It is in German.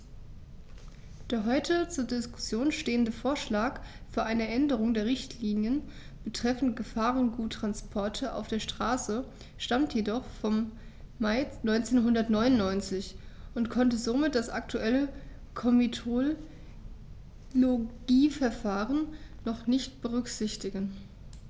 Der heute zur Diskussion stehende Vorschlag für eine Änderung der Richtlinie betreffend Gefahrguttransporte auf der Straße stammt jedoch vom Mai 1999 und konnte somit das aktuelle Komitologieverfahren noch nicht berücksichtigen.